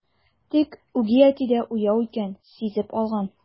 Тик үги әти дә уяу икән, сизеп алган.